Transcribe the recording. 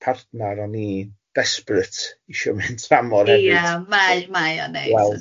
partnar o'n i desperate isio mynd dramor eryt... Ie ie mae mae o'n neis.